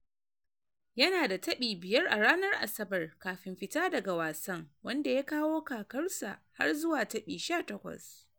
Yana da tabi biyar a ranar Asabar kafin fita daga wasan, wanda ya kawo kakarsa har zuwa tabi 18.